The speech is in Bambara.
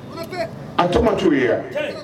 A to ma t' u ye